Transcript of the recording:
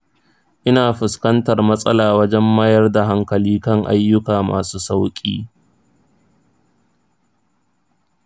ina fuskantar matsala wajen mayar da hankali kan ayyuka masu sauƙi.